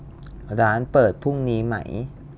ร้านเปิดพรุ่งนี้ไหม